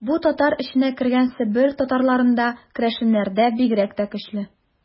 Бу татар эченә кергән Себер татарларында, керәшеннәрдә бигрәк тә көчле.